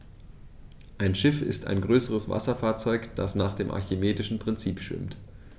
Ein Schiff ist ein größeres Wasserfahrzeug, das nach dem archimedischen Prinzip schwimmt.